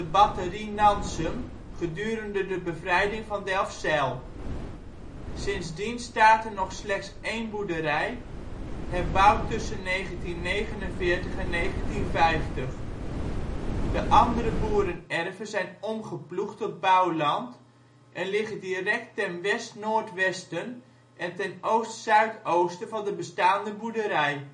Batterie Nansum gedurende de bevrijding van Delfzijl. Sindsdien staat er nog slechts 1 boerderij (herbouwd tussen 1949 en 1950). De andere boerenerven zijn omgeploegd tot bouwland en liggen direct ten west-noordwesten en ten oost-zuidoosten van de bestaande boerderij